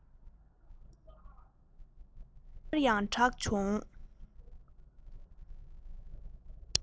ཁ པར གྱི སྒྲ སླར ཡང གྲགས བྱུང